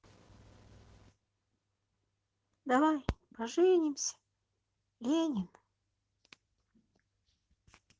давай поженимся ленин